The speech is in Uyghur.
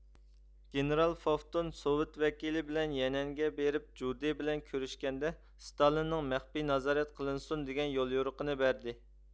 گېنېرال فافتون سوۋېت ۋەكىلى بىلەن يەنئەنگە بېرىپ جۇدې بىلەن كۆرۈشكەندە ستالىننىڭ مەخپىي نازارەت قىلىنسۇن دېگەن يوليورۇقىنى بەردى